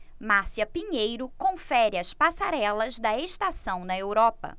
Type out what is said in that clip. márcia pinheiro confere as passarelas da estação na europa